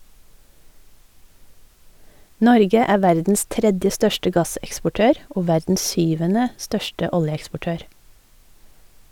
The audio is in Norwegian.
Norge er verdens tredje største gasseksportør, og verdens syvende største oljeeksportør.